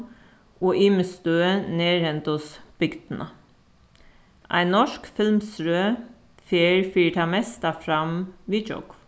og ymiss støð nærhendis bygdina ein norsk filmsrøð fer fyri tað mesta fram við gjógv